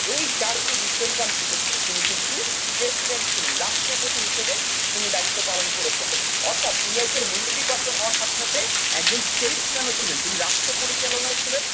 এই 4 টি different country তে তিনি কিন্তু প্রেসিডেন্ট ছিলেন রাষ্ট্রপতি হিসেবে তিনি দায়িত্ব পালন করেছেন অর্থাৎ তিনি একজন মিলিটারি পারসন হওয়ার সাথে সাথে একজন স্টেটস ম্যান ও ছিলেন তিনি রাষ্ট্রপরিচালনায় ছিলেন